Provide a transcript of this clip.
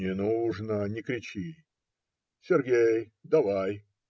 - Не нужно, не кричи. Сергей, давай!